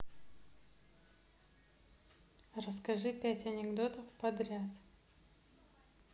расскажи пять анекдотов подряд